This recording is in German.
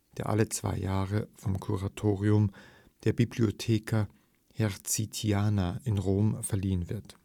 der alle zwei Jahre vom Kuratorium der Bibliotheca Hertziana in Rom verliehen wird